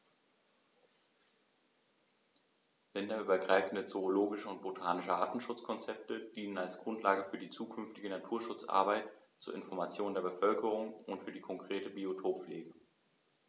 Länderübergreifende zoologische und botanische Artenschutzkonzepte dienen als Grundlage für die zukünftige Naturschutzarbeit, zur Information der Bevölkerung und für die konkrete Biotoppflege.